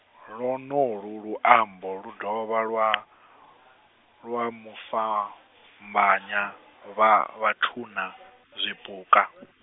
lwonolwu luambo lu dovha lwa , lwa mufhambanyi vha vhathuna , zwipuka .